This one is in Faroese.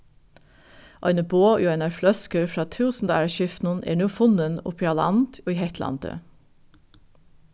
eini boð í einari fløsku frá túsundáraskiftinum er nú funnin uppi á land í hetlandi